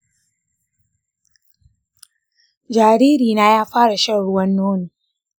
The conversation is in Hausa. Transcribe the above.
jariri na ya fara shan ruwan nono.